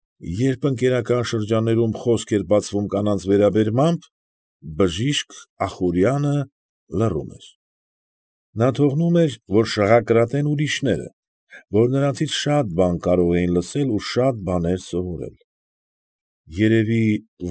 Երբ ընկերական շրջաններում խոսք էր բացվում կանանց վերաբերմամբ, բժիշկԱխուրյանը լռում էր, նա թողնում էր, որ շաղակրատեն ուրիշները, որ նրանից շատ բաներ կարող էին լսել ու շատ բաներ սովորել երևի,